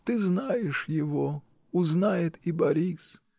Ты знаешь его, узнает и Борис.